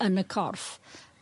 Yn y corff.